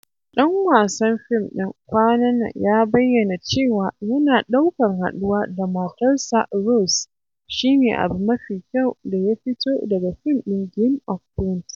Ɗan wasan fim ɗin kwana nan ya bayyana cewa yana ɗaukan haɗuwa da matarsa Rose shi ne abu mafi kyau da ya fito daga fim ɗin Game of Thrones.